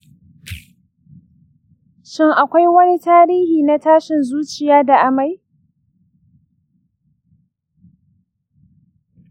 shin akwai wani tarihi na tashin zuciya da amai?